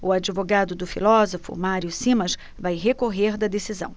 o advogado do filósofo mário simas vai recorrer da decisão